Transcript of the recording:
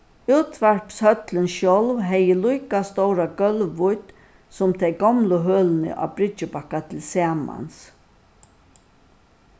útvarpshøllin sjálv hevði líka stóra gólvvídd sum tey gomlu hølini á bryggjubakka tilsamans